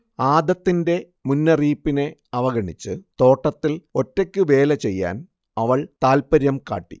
ആദത്തിന്റെ മുന്നറിയിപ്പിനെ അവഗണിച്ച് തോട്ടത്തിൽ ഒറ്റയ്ക്ക് വേലചെയ്യാൻ അവൾ താത്പര്യം കാട്ടി